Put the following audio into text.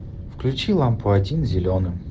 включи лампу один зеленым